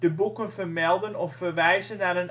boeken vermelden of verwijzen naar